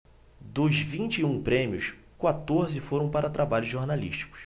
dos vinte e um prêmios quatorze foram para trabalhos jornalísticos